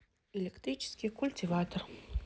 электрический культиватор